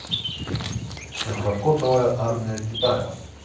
терракотовая армия китая